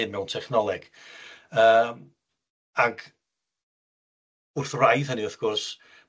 hyn mewn technoleg yym ag wrth wraidd hynny wrth gwrs